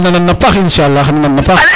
xana nana paax inchaala xana nana paax